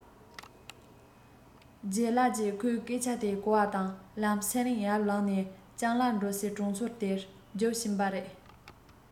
ལྗད ལགས ཀྱིས ཁོའི སྐད ཆ དེ གོ བ དང ལམ སེང ཡར ལངས ནས སྤྱང ལགས འགྲོ སའི གྲོང ཚོ དེར རྒྱུགས ཕྱིན པ རེད